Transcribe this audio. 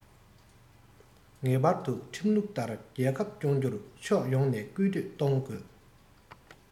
ངེས པར དུ ཁྲིམས ལུགས ལྟར རྒྱལ ཁབ སྐྱོང རྒྱུར ཕྱོགས ཡོངས ནས སྐུལ འདེད གཏོང དགོས